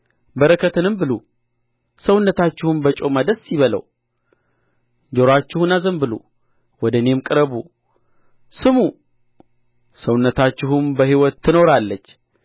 በረከትንም ብሉ ሰውነታችሁም በጮማ ደስ ይበለው ጆሮአችሁን አዘንብሉ ወደ እኔም ቅረቡ ስሙ ሰውነታችሁም በሕይወት ትኖራለች